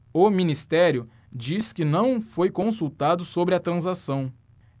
o ministério diz que não foi consultado sobre a transação